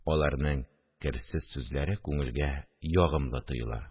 Аларның керсез сүзләре күңелгә ягымлы тоела